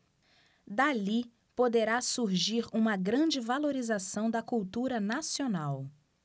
dali poderá surgir uma grande valorização da cultura nacional